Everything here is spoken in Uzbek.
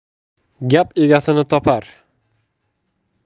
gap egasini topar